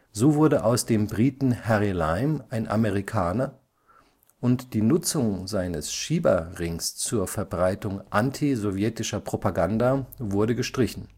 So wurde aus dem Briten Harry Lime ein Amerikaner, und die Nutzung seines Schieberrings zur Verbreitung anti-sowjetischer Propaganda wurde gestrichen